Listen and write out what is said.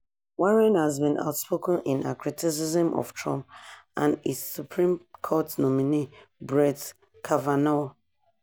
Warren has been outspoken in her criticism of Trump and his Supreme Court nominee Brett Kavanaugh.